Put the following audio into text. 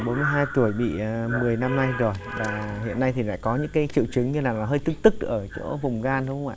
bốn mươi hai tuổi bị mười năm nay rồi là hiện nay thì lại có những cái triệu chứng như là hơi tức tức ở chỗ vùng gan đúng không ạ